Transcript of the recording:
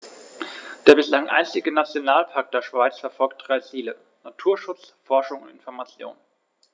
Der bislang einzige Nationalpark der Schweiz verfolgt drei Ziele: Naturschutz, Forschung und Information.